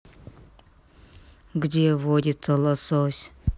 где водится лосось